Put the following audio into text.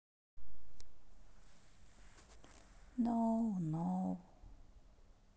no no